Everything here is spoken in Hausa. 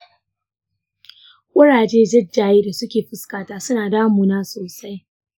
kurajen jajaye da suke fuskata suna damuna sosai